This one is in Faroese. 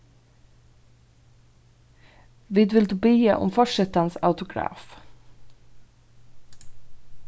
vil vildu biðja um forsetans autograf